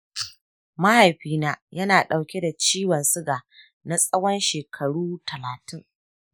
mahaifina ya na ɗauke da ciwon suga na tsawon shekaru talatin.